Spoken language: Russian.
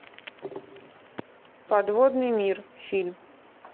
подводный мир фильм